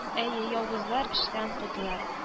- әйе, явызлар эштән кудылар